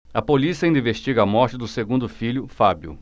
a polícia ainda investiga a morte do segundo filho fábio